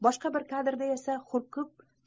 boshqa bir kadrda esa hurkib